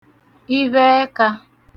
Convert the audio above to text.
ivhe ẹkā